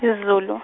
izulu.